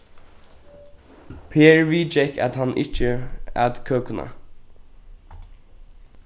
per viðgekk at hann ikki æt køkuna